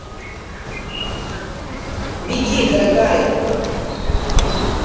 беги дорогая